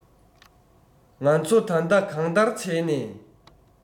ང ཚོ ད ལྟ གང ལྟར བྱས ནས